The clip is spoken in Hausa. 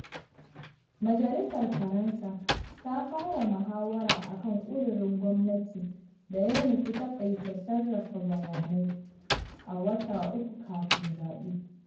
Majalisar Faransa ta fara muhawara akan ƙudirin gwamnati da ya nufi taƙaita 'sarrafa bayanai' a wata uku kafin zaɓe.